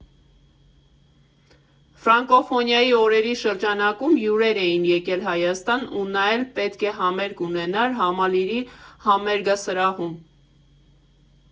Ֆրանկոֆոնիայի օրերի շրջանակում հյուրեր էին եկել Հայաստան, ու նա էլ պետք է համերգ ունենար Համալիրի համերգասրահում։